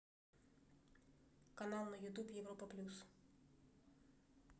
канал на ютуб европа плюс